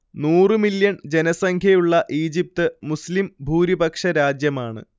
നൂറ് മില്യൺ ജനസംഖ്യയുള്ള Egypt Muslim ഭൂരിപക്ഷ രാജ്യമാണ്